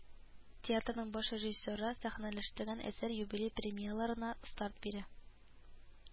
Театрның баш режиссеры сәхнәләштергән әсәр юбилей премьераларына старт бирә